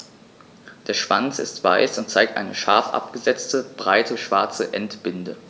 Der Schwanz ist weiß und zeigt eine scharf abgesetzte, breite schwarze Endbinde.